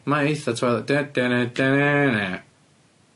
Mae'n eitha Twilight dy dy ny dy ny ny.